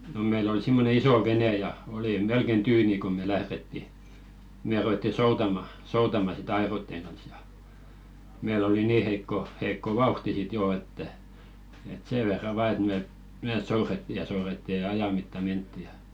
no meillä oli semmoinen iso vene ja oli melkein tyyni kun me lähdettiin me ruvettiin soutamaan soutamaan sitten airojen kanssa ja meillä oli niin heikko heikko vauhti sitten jo että että sen verran vain että me me soudettiin ja soudettiin ja ajan mittaan mentiin ja